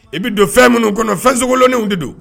I bi don fɛn nunun kɔnɔ, fɛn sonolonenw de don.